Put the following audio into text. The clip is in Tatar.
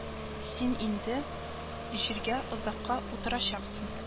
Син инде җиргә озакка утырачаксың